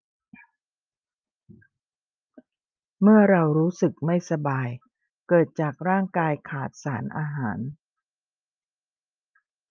เมื่อเรารู้สึกไม่สบายเกิดจากร่างกายขาดสารอาหาร